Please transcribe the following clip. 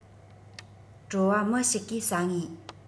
བྲོ བ མི ཞིག གིས ཟ ངེས